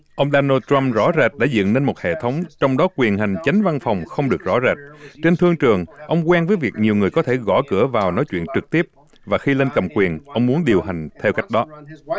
ông đo na trăm rõ rệt đã dựng nên một hệ thống trong đó quyền hành chánh văn phòng không được rõ rệt trên thương trường ông quen với việc nhiều người có thể gõ cửa vào nói chuyện trực tiếp và khi lên cầm quyền ông muốn điều hành theo cách đó